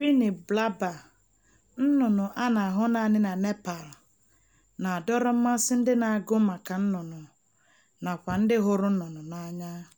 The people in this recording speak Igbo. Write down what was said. Spiny Blabber, nnụnnụ a na-ahụ naanị na Nepal, na-adọrọ mmasị ndị na-agụ maka nnụnụ nakwa ndị hụrụ nnụnnụ n'anya.